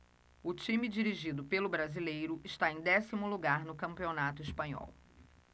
o time dirigido pelo brasileiro está em décimo lugar no campeonato espanhol